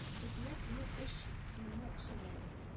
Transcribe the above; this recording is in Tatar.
Хөкүмәт минем өч томны чыгара